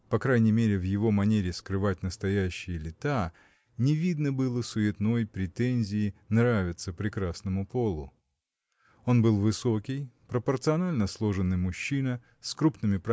По крайней мере в его манере скрывать настоящие лета не видно было суетной претензии нравиться прекрасному полу. Он был высокий пропорционально сложенный мужчина с крупными